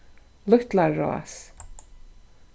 lítlarás